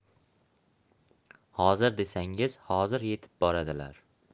hozir desangiz hozir yetib boradilar